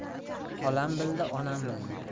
xolam bildi onam bildi